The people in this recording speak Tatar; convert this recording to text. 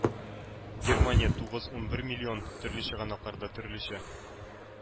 Германия – тугыз-унбер миллион төрле чыганакларда төрлечә